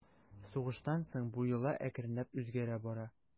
Сугыштан соң бу йола әкренләп үзгәрә бара.